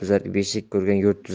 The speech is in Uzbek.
beshik ko'rgan yurt tuzar